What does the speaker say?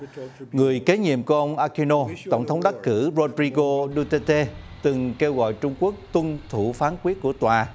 người kế nhiệm của ông a ki nô tổng thống đắc cử rô ri gô đô tê tê từng kêu gọi trung quốc tuân thủ phán quyết của tòa